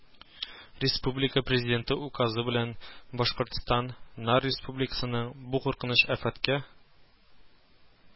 Республика Президенты указы белән Башкортстан на республиканың бу куркыныч афәткә